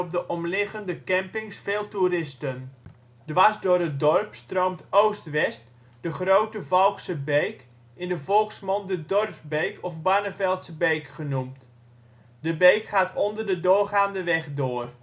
de omliggende campings veel toeristen. Dwars door het dorp stroomt oost-west de Grote Valkse beek in de volksmond de dorpsbeek of Barneveldse beek genoemd. De beek gaat onder de doorgaande weg door